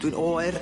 Dwi'n oer,